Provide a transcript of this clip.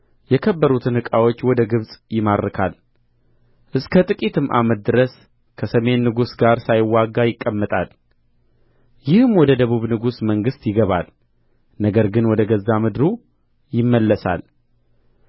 የከበሩትን ዕቃዎች ወደ ግብጽ ይማርካል እስከ ጥቂትም ዓመት ድረስ ከሰሜን ንጉሥ ጋር ሳይዋጋ ይቀመጣል ይህም ወደ ደቡብ ንጉሥ መንግሥት ይገባል ነገር ግን ወደ ገዛ ምድሩ ይመለሳል